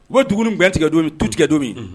U be dugu nin gwɛn tigɛ don ni tu tigɛ don min unhun